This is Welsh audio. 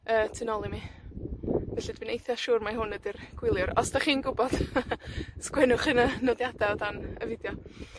Yy, tu nôl i mi. Felly, dwi'n eitha siŵr mai hwn ydi'r gwylia. Os 'dych chi'n gwybod, sgwennwch yn y nodiada o dan y fideo.